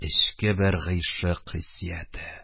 Эчке бер гыйшык хиссияте!